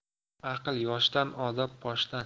aql yoshdan odob boshdan